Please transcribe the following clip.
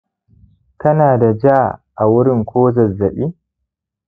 kana da ja a wurin ko zazzaɓi